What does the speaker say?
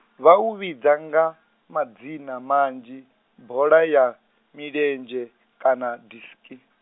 vha u vhidza nga, madzina manzhi, boḽa ya, milenzhe, kana diski.